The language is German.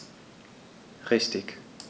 Richtig